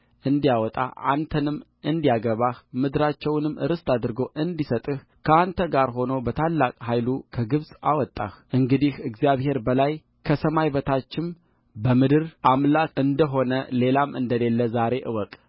እንዲያወጣ አንተንም እንዲያገባህ ምድራቸውንም ርስት አድርጎ እንዲሰጥህ ከአንተ ጋር ሆኖ በታላቅ ኃይሉ ከግብፅ አወጣህእንግዲህ እግዚአብሔር በላይ በሰማይ በታችም በምድር አምላክ እንደ ሆነ ሌላም እንደሌለ ዛሬ እወቅ